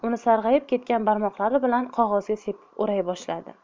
uni sarg'ayib ketgan barmoqlari bilan qog'ozga sepib o'ray boshladi